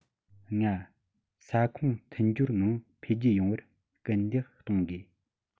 ལྔ ས ཁོངས མཐུན སྦྱོར ངང འཕེལ རྒྱས ཡོང བར སྐུལ འདེད གཏོང དགོས